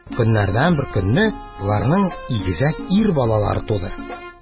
Көннәрдән бер көнне боларның игезәк ир балалары туды.